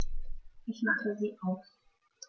Ich mache sie aus.